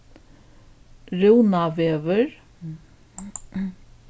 rúnarvegur